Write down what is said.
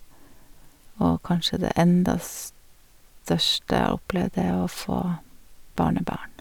Og kanskje det enda største jeg har opplevd, er å få barnebarn.